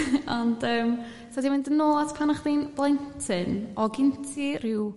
ond yym t'od i mynd yn ôl at pan ochdi'n blentyn o ginti ryw